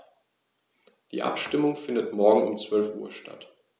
Die Abstimmung findet morgen um 12.00 Uhr statt.